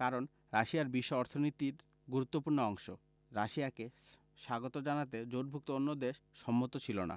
কারণ রাশিয়া বিশ্ব অর্থনীতির গুরুত্বপূর্ণ অংশ রাশিয়াকে স্বাগত জানাতে জোটভুক্ত অন্য দেশ সম্মত ছিল না